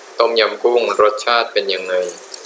ต้มยำกุ้งรสชาติเป็นยังไง